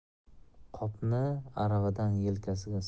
qopni aravadan yelkasiga